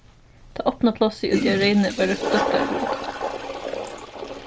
tað opna plássið úti á reyni varð rópt doktaragrund